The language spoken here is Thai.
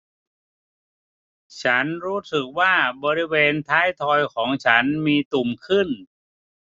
ฉันรู้สึกว่าบริเวณท้ายทอยของฉันมีตุ่มขึ้น